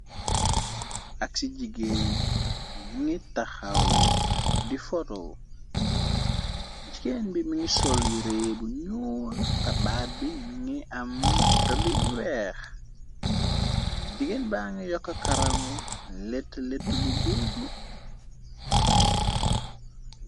Ak ci jigéen mi ngi taxaw di forto jigéen bi mingi sol rée bu ñool tabaat bi mingi am rëda yu weex jigéen ba nga yokka karaw léttu lettu bu guuddu.